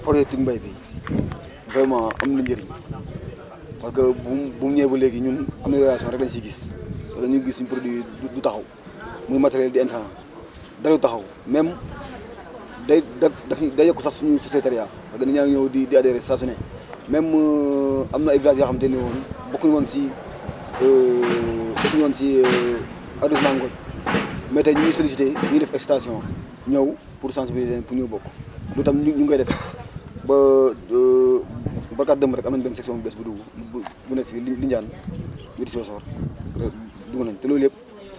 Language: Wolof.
bon projet Ticmbay bi vraiment am na njëriñ parce que bu mu bu mu ñëwee ba léegi ñun amélioration rek lañ si gis wala ñu gis suñ produits yi du du taxaw muy matériels di intrant dara du taxaw même day de day yokk sax suñu sociétériat parce que nit ñaa ngi ñëw di di adhéré saa su ne même am na ay villages xam te ne woon bukkuñ woon si bokkuñu woon si arrondissement Ngothie mais tey ñu ngi solicité ñiy def station ñëw pour sansibiliser leen pour ñu bokk loolu tamit ñu ñu ngi koy def ba barkaati démb rek am nañ benn section bu bees bu dugg bu bu nekk fii Li Lindiane wetu Sibassor dugg nañ